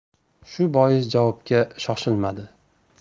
shu bois javobga shoshilmadi